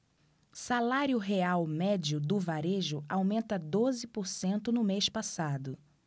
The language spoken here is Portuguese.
salário real médio do varejo aumenta doze por cento no mês passado